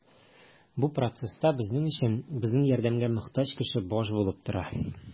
Бу процесста безнең өчен безнең ярдәмгә мохтаҗ кеше баш булып тора.